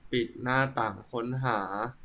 ปิดหน้าต่างค้นหา